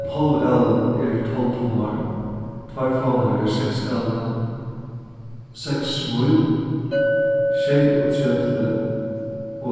ein hálv alin er tólv tummar tveir favnar eru seks alin seks míl sjeyogtretivu